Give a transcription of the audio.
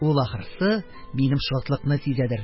Ул, ахрысы, минем шатлыкны сизәдер,